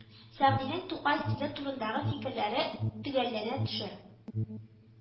Сәгъдинең Тукай стиле турындагы фикерләре төгәлләнә төшә